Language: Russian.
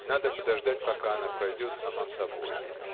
надо подождать, пока она пройдет сама собою.